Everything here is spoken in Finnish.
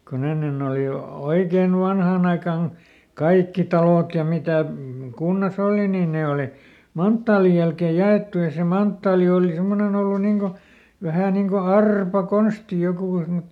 kun ennen oli - oikein vanhaan aikaan kaikki talot ja mitä kunnassa oli niin ne oli manttaalin jälkeen jaettu ja se manttaali oli semmoinen ollut niin kuin vähän niin kuin arpakonsti joku semmoinen